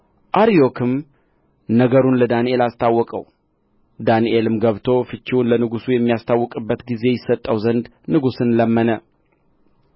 አርዮክም ነገሩን ለዳንኤል አስታወቀው ዳንኤልም ገብቶ ፍቺውን ለንጉሡ የሚያስታውቅበት ጊዜ ይሰጠው ዘንድ ንጉሡን ለመነ